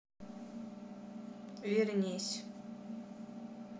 вернись